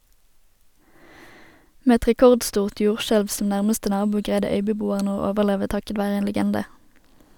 Med et rekordstort jordskjelv som nærmeste nabo, greide øybeboerne å overleve takket være en legende.